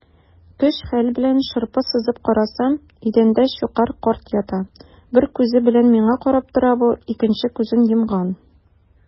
Көч-хәл белән шырпы сызып карасам - идәндә Щукарь карт ята, бер күзе белән миңа карап тора бу, икенче күзен йомган.